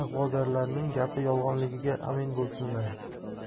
ig'vogarlarning gapi yolg'onligiga amin bo'lsinlar